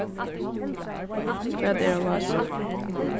hvat er á vási